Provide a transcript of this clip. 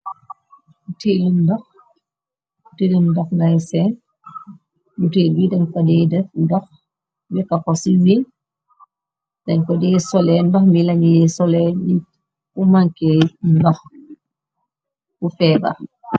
Butel li ndox, buteli ndox lay seen, butel biy dañ fadee def ndox, yekkako ci wi, dañ ko dee solee, ndox mi lañu ye solee nit bu mankey ndox, ku feebar.